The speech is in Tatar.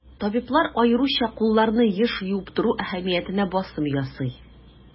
Табиблар аеруча кулларны еш юып тору әһәмиятенә басым ясый.